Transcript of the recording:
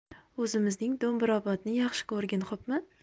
o'zimizning do'mbrobodni yaxshi ko'rgin xo'pmi